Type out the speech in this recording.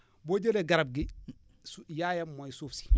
boo jëlee garab gi su yaayam mooy suuf si